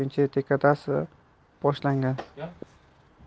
uchinchi dekadasi boshlangan